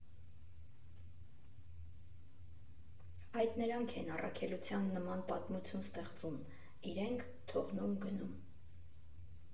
Այդ նրանք են առաքելության նման պատմություն ստեղծում, իրենք՝ թողնում, գնում…